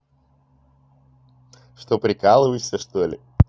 что прикалываешься что ли